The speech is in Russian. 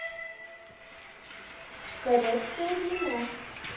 коррекция длина